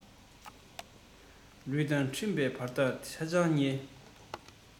ལུས དང གྲིབ མའི བར ཐག ཧ ཅང ཉེ